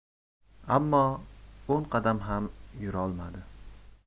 ammo o'n qadam ham yurolmadi